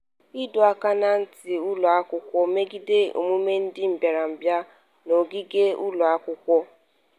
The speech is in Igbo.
Ịdọ aka na ntị ụlọakwụkwọ megide emume ndị mbịarambịa n'ogige ụlọakwụkwọ.